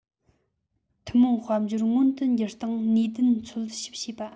ཐུན མོང དཔལ འབྱོར མངོན དུ འགྱུར སྟངས ནུས ལྡན འཚོལ ཞིབ བྱེད པ